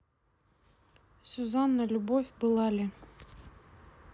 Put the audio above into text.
сюзанна любовь была ли